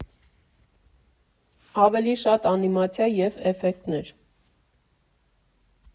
Ավելի շատ անիմացիա և էֆեկտներ։